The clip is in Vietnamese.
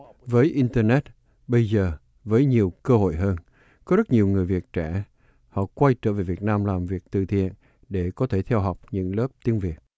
với in tơ nét bây giờ với nhiều cơ hội hơn có rất nhiều người việt trẻ họ quay trở về việt nam làm việc từ thiện để có thể theo học những lớp tiếng việt